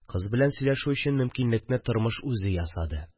Кыз белән сөйләшү өчен мөмкинлекне тормыш үзе ясады